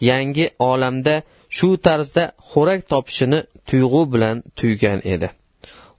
yangi olamda xo'rak topish shu tarzda sodir bo'lishini tuyg'u bilan tuygan edi